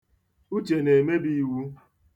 Uche na-emebi iwu.